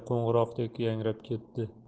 qo'ng'iroqdek yangrab ketdi